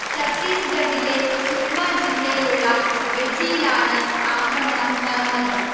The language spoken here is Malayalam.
ഛത്തീസ്ഗഢിലെ സുക്മ ജില്ലയിലുള്ള ബെജ്ജിയിലാണ് ആക്രമണം നടന്നത്